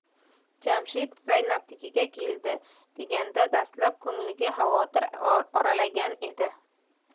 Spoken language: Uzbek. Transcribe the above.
jamshid zaynabnikiga ketdi deganda dastlab ko'ngliga xavotir oralagan edi